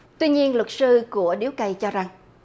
tuy nhiên luật sư của điếu cày cho rằng